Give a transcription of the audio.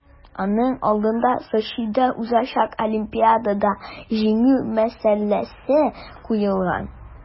Аның алдына Сочида узачак Олимпиадада җиңү мәсьәләсе куелган.